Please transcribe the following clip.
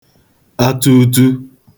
atuutu